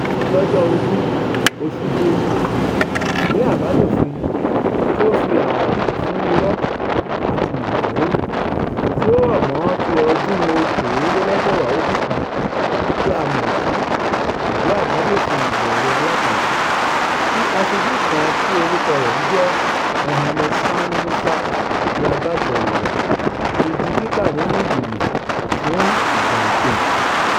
Lọ́jọ́ 20 oṣù Belu, Ìwé Àbádòfin tí ó fi Ààbò fún Irọ́ àti Màkàrúrù tí ó rọ̀ mọ́ ọn ti ọdún-un 2019, tí a mọ̀ sí "ìwé àbádòfin ìlò ẹ̀rọ alátagbà", tí Aṣojú kan tí orúkọ rẹ̀ ń jẹ́ Mohammed Sani Musa ṣe agbátẹrùu rẹ̀, ti di kíkà nínú ìgbìmọ̀ fún ìgbà kejì.